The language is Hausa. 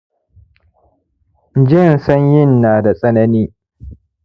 jin sanyin nada tsanani